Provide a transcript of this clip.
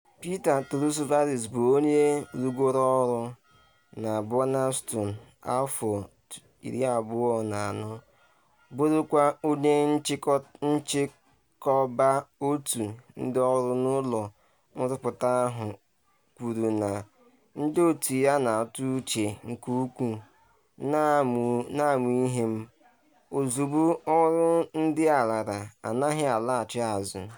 Peter Tsouvallaris, bụ onye rụgoro ọrụ na Burnaston afọ 24, bụrụkwa onye nchịkọba otu ndị ọrụ n’ụlọ nrụpụta ahụ, kwuru na ndị otu ya na-atụ uche nke ukwuu: “N’ahụmihe m, ozugbo ọrụ ndị a lara, ha anaghị alaghachi azụ.